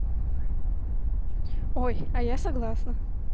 ой я согласна